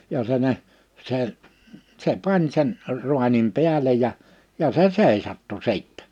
ja se ne se se pani sen raanin päälle ja ja se seisahtui sitten